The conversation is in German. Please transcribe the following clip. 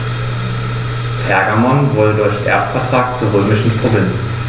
Pergamon wurde durch Erbvertrag zur römischen Provinz.